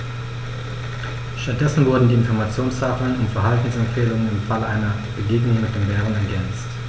Stattdessen wurden die Informationstafeln um Verhaltensempfehlungen im Falle einer Begegnung mit dem Bären ergänzt.